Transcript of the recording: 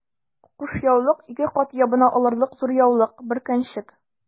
Кушъяулык— ике кат ябына алырлык зур яулык, бөркәнчек...